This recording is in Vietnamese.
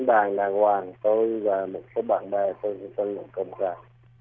đàn đàng hoàng có một cái bạn bè từ từ rồi